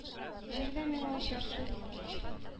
Җирдә миңа эчәр су беткәч?!